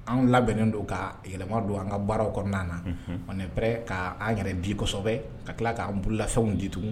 An labɛnnen don ka yɛlɛma don an ka baaraw kɔnɔna na opɛ k' anan yɛrɛ di kɔsɛbɛ kosɛbɛ ka tila k'an bololafɛnw di tugun